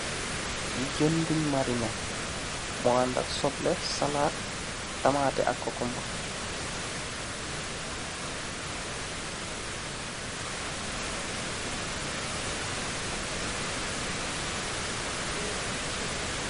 Jain bunye marineh, mu handak sopleh, salad, tamateh ak kakumba.